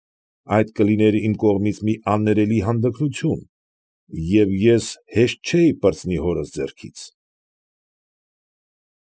Այդ կլիներ իմ կողմից մի աններելի հանդգնություն, և ես հեշտ չէի պրծնիլ հորս ձեռքից։